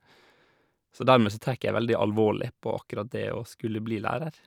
Så dermed så tek jeg veldig alvorlig på akkurat det å skulle bli lærer.